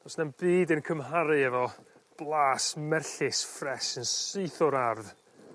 Do's 'na'm byd yn cymharu efo blas merllys ffres yn syth o'r ardd.